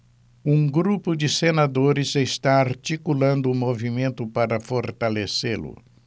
um grupo de senadores está articulando um movimento para fortalecê-lo